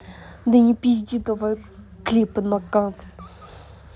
да не пизди давай клипы ноггано